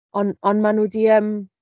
On-, ond mae nhw 'di, yym...